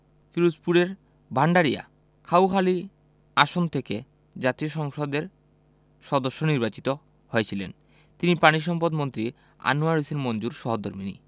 পিরোজপুরের ভাণ্ডারিয়া কাউখালী আসন থেকে জাতীয় সংসদের সদস্য নির্বাচিত হয়েছিলেন তিনি পানিসম্পদমন্ত্রী আনোয়ার হোসেন মঞ্জুর সহধর্মিণী